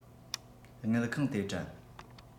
དངུལ ཁང དེ དྲན